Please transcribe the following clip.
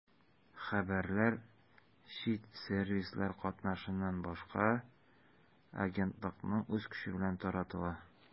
Хәбәрләр чит сервислар катнашыннан башка агентлыкның үз көче белән таратыла.